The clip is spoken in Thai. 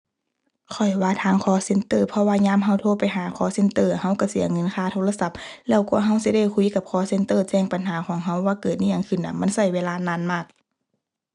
ข้อยว่าทาง call center เพราะว่ายามเราโทรไปหา call center เราเราเสียเงินค่าโทรศัพท์ แล้วกว่าเราสิได้คุยกับ call center แจ้งปัญหาของเราว่าเกิดอิหยังขึ้นน่ะมันเราเวลานานมาก